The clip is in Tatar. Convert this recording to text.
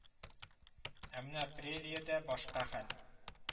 Ә менә прериядә башка хәл